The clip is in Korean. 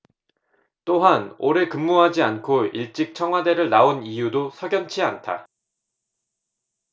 또한 오래 근무하지 않고 일찍 청와대를 나온 이유도 석연치 않다